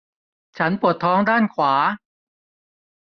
ฉันปวดท้องด้านขวา